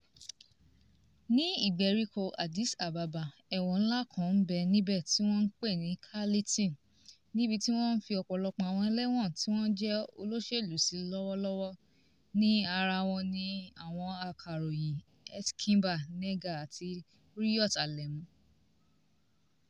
Ní ìgbèríko Addis Ababa, ẹ̀wọ̀n ńlá kan ń bẹ níbẹ̀ tí wọn ń pè ní Kality níbi tí wọ́n fi ọ̀pọ̀lọpọ̀ àwọn ẹlẹ́wọ̀n tí wọ́n jẹ́ olóṣèlú sí lọ́wọ́lọ́wọ́, ní ara wọn ni àwọn akọ̀ròyìn Eskinbar Nega àti Reeyot Alemu.